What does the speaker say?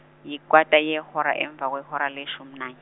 yikwata yehora emva kwehora leshumi nan-.